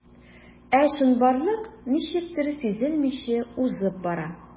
Ә чынбарлык ничектер сизелмичә узып бара.